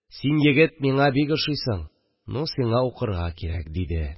Син, егет, миңа бик ошыйсың, ну сиңа укырга кирәк, диде